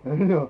joo